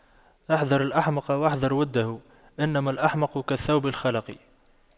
احذر الأحمق واحذر وُدَّهُ إنما الأحمق كالثوب الْخَلَق